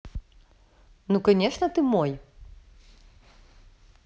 ну конечно ты мой